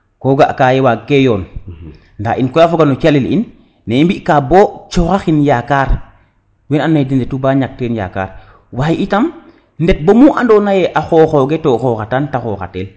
ko gaka ye waag ke yoon nda in koy a foga no calel in ne i mbika bo coxa xin yakar we ando naye den ndetu ba ñak ten yakar waye itam ndet bomu ando naye a xoxoge to xoxatan te xoxatel